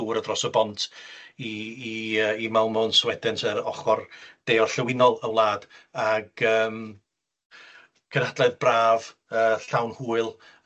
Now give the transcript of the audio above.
dŵr a dros y bont i i yy i Malmo, yn Sweden 'te yr ochor de-orllewinol y wlad, ag yym cydnadledd braf, yy llawn hwyl.